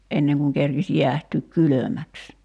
ennen kuin kerkisi jäähtyä kylmäksi